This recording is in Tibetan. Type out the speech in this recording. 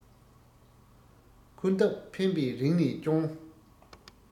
འཁོར འདབས ཕན པས རིང ནས སྐྱོང